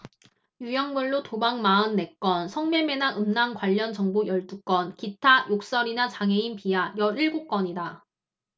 유형별로 도박 마흔 네 건 성매매나 음란 관련 정보 열 두 건 기타 욕설이나 장애인 비하 열 일곱 건이다